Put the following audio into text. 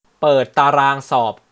เปิดตารางสอบ